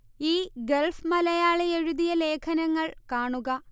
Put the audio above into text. ഈ ഗൾഫ് മലയാളി എഴുതിയ ലേഖനങ്ങൾ കാണുക